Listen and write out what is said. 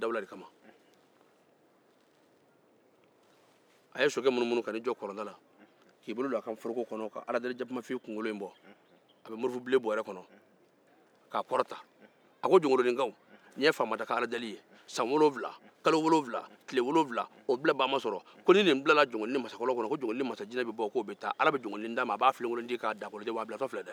a ye sokɛ munumunu ka n'i jɔ kɔlɔnda la k'a kɔrɔta a ko jɔnkoloninkaw nin ye faama da ka aladeki ye san wolonwula kalo wolonwula tile wolonwula o bilabaa ma sɔrɔ ko ni nin bilala jɔnkolonin mansakɔlɔn kɔnɔ ko jɔnkolonin mansajinɛ bɛ bɔ k'o bɛ taa ala bɛ jɔnkolonin d'a ma a b'a filenkolonci k'a daakolonci